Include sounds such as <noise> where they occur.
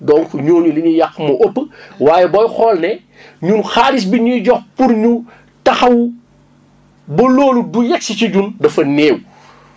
donc ñooñu li ñuy yàq moo ëpp <breath> waaye booy xool ne <breath> ñun xaalis biñ ñuy jox pour ñu taxaw ba loolu du yegg ci si ñun dafa néew